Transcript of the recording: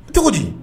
Cogo di